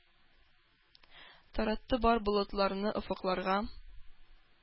Таратты бар болытларны офыкларга.